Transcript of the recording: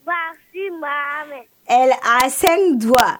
Voici ma mains, elle a cing doigts